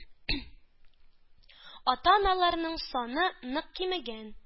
Ата-аналарның саны нык кимегән: